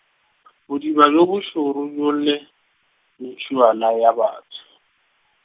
bodiba bjo bošoro bo lle, n- tšhuana ya batho.